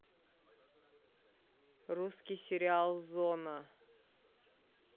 русский сериал зона